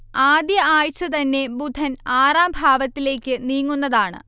ആദ്യ ആഴ്ച തന്നെ ബുധൻ ആറാം ഭാവത്തിലേക്ക് നീങ്ങുന്നതാണ്